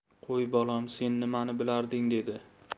qo'y bolam sen nimani bilarding dedi